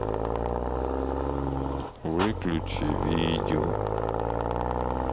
выключи видео